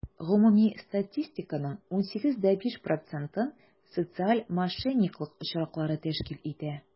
Гомуми статистиканың 18,5 процентын социаль мошенниклык очраклары тәшкил итә.